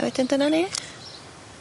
A wedyn dyna ni.